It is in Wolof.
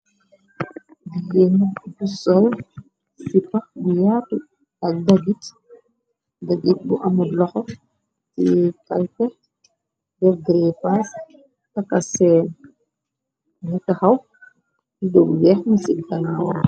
Dileen bu sol sipax bu yaatu, ak dagit dagit bu amul loxof ci calpert, dergrepas takaseen, nu taxaw lidob yeex mi ci gannoon.